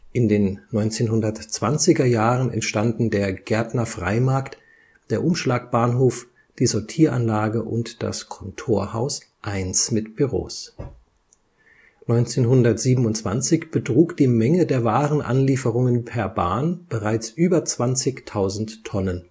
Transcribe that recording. In den zwanziger Jahren entstanden der Gärtnerfreimarkt, der Umschlagbahnhof, die Sortieranlage und das Kontorhaus 1 (Architekt: Karl Meitinger) mit Büros. 1927 betrug die Menge der Warenanlieferungen per Bahn bereits über 20.000 Tonnen